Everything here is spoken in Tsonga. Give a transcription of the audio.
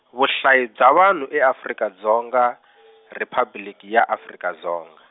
Vuhlayi bya Vanhu e Afrika Dzonga , Riphabliki ya Afrika Dzonga.